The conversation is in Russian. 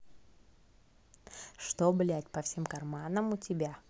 что блядь по всем карманам у тебя